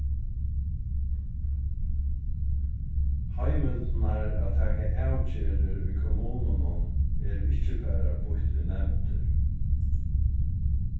heimildirnar at taka avgerðir í kommununum eru ikki bara býtt í nevndir